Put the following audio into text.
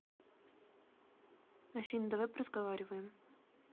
афина давай поразговариваем